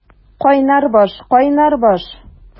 Кайнар баш, кайнар баш!